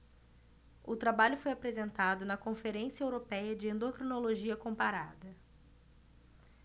o trabalho foi apresentado na conferência européia de endocrinologia comparada